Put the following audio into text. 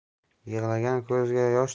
yig'lagan ko'zga yosh